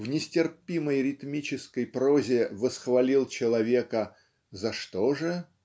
в нестерпимой ритмической прозе восхвалил человека за что же?